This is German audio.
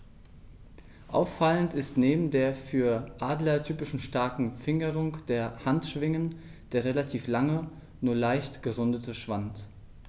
Auffallend ist neben der für Adler typischen starken Fingerung der Handschwingen der relativ lange, nur leicht gerundete Schwanz.